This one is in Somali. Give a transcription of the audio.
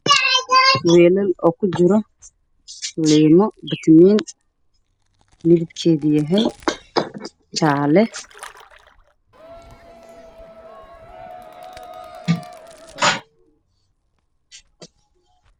Waa liin midabkeedu yahay jaalo